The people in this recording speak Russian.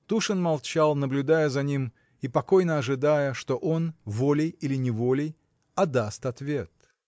Тушин молчал, наблюдая за ним и покойно ожидая, что он волей или неволей, а даст ответ.